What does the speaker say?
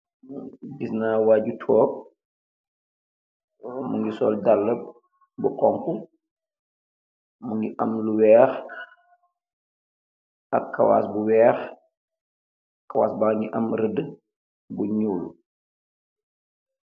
Tanki goor bu sol dallil buu hougku bu ahmeh lu weeah ak kawass bu weeah.